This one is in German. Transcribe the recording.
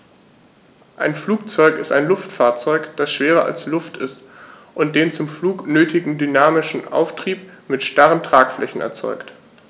Ein Flugzeug ist ein Luftfahrzeug, das schwerer als Luft ist und den zum Flug nötigen dynamischen Auftrieb mit starren Tragflächen erzeugt.